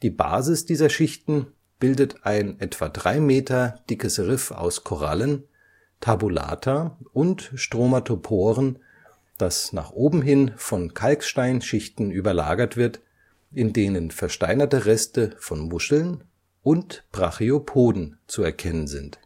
Basis dieser Schichten bildet ein etwa drei Meter dickes Riff aus Korallen, Tabulata und Stromatoporen, das nach oben hin von Kalksteinschichten überlagert wird, in denen versteinerte Reste von Muscheln und Brachiopoden zu erkennen sind